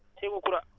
Sego Kura